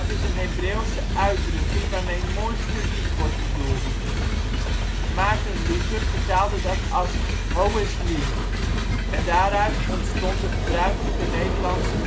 is een Hebreeuwse uitdrukking waarmee mooiste lied wordt bedoeld. Maarten Luther vertaalde dat als Hohes Lied en daaruit ontstond de gebruikelijke Nederlandse